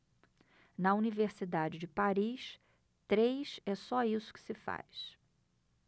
na universidade de paris três é só isso que se faz